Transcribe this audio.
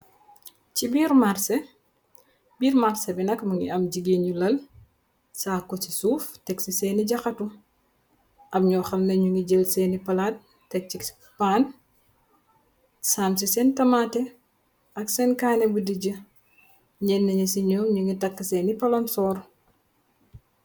Ci marse. Biir màrsé bi nak mu ngi am jigéenu lal saako ci suuf teg ci seeni jaxatu. Am ñyoo xam ne ñyu ngi jël seeni palaat teg ci paan saam ci seen tamaate ak seen kaane bu dijje. Nyenni ci ñyoom ñyu ngi takk seeni palonsor.